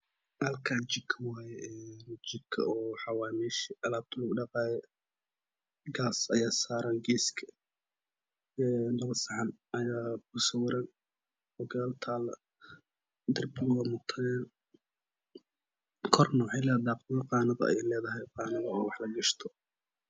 Halkaan jiko waaye ee jiko oo waxaa waaye meeshi alaabta lagu dhaqaaye gaas ayaa saaran geeska labo saxan ayaa ku sawiran oo gadaal taallo korna waxay leedahay qaanado ee qaanado oo wax lagashto